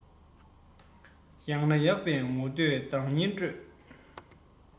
ཡག ན ཡག པས ངོ བསྟོད བདག རྐྱེན སྤྲོད